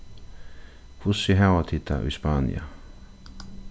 hvussu hava tit tað í spania